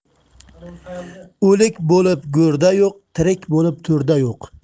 o'lik bo'lib go'rda yo'q tirik bo'lib to'rda yo'q